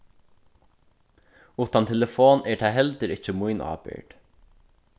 uttan telefon er tað heldur ikki mín ábyrgd